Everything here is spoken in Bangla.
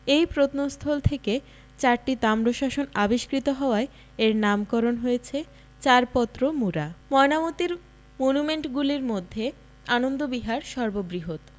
এই প্রত্নস্থল থেকে চারটি তাম্রশাসন আবিষ্কৃত হওয়ায় এর নামকরণ হয়েছে চারপত্র মুরা ময়নামতীর মনুমেন্টগুলির মধ্যে আনন্দবিহার সর্ববৃহৎ